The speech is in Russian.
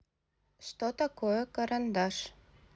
что такое карандаш